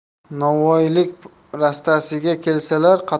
novvoylik rastasiga kelsalar